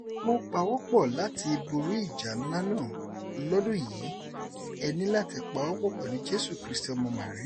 Wọ́n pawọ́pọ̀ láti borí ìjà ńlá náà... lọ́dún yìí ẹ ní láti pawọ́pọ̀ pẹ̀lú Jésù Kristì ọmọ Màríà